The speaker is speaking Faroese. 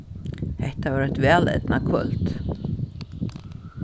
hetta var eitt væleydnað kvøld